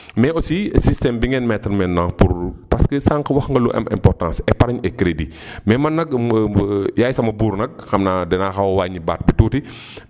mais aussi système bi ngeen mettre maintenant pour parce que sànq wax nga lu am importance épargne et crédit mais man nag yaay sama buur nag xam naa danaa xaw a wàññi baat bi tuuti